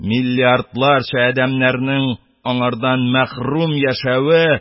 Миллиардларча адәмнең аңардан мәхрүм яшәве